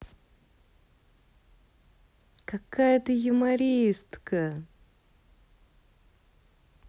какая ты юмористка